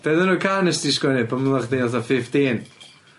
Be' o'dd enw'r cân nes di sgwennu pan oddach chdi fatha fifteen?